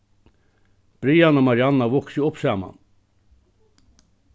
brian og marianna vuksu upp saman